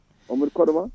omowoni kooɗoma